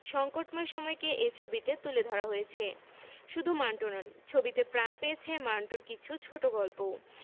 সংকটময় সময়কে এ ছবিতে তুলে ধরা হয়েছে শুধু মান্টো নন ছবিতে প্রাণ পেয়েছে মান্টোর কিছু ছোটগল্পও